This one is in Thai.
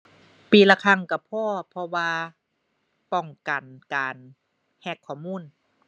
ปีละครั้งก็พอ เพราะว่าป้องกันการแฮ็กข้อมูล